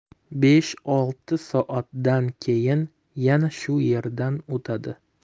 besh olti soatdan keyin yana shu yerdan o'tadi